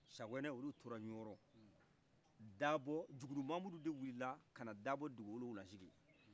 sakɔnɛ olu tora ɲɔro dabɔ jugudu mamudu de wilila kana dabɔ dugu wolofila sigi